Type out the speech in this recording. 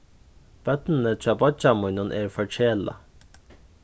børnini hjá beiggja mínum eru forkelað